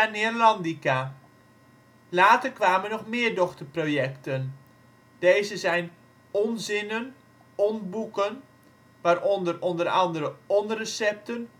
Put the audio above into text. Neerlandica). Later kwamen nog meer dochterprojecten. Deze zijn: OnZinnen, OnBoeken (waaronder o.a. OnRecepten